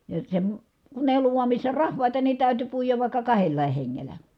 ja se kun ei ollut missä rahvaita niin täytyi puida vaikka kahdellakin hengellä